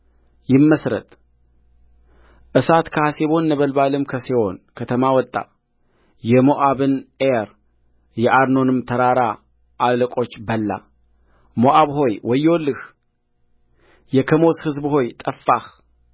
ይመሥረትእሳት ከሐሴቦን ነበልባልም ከሴዎን ከተማ ወጣየሞዓብን ዔር የአርኖንን ተራራ አለቆች በላሞዓብ ሆይ ወዮልህ የከሞስ ሕዝብ ሆይ ጠፋህ